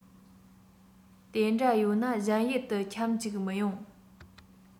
དེ འདྲ ཡོད ན གཞན ཡུལ དུ ཁྱམས བཅུག མི ཡོང